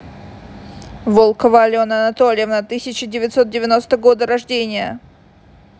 волкова алена анатольевна тысяча девятьсот девяностого года рождения